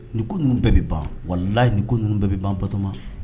Nin ninnu bɛɛ bɛ ban wala layi nin ninnu bɛɛ bɛ ban batoma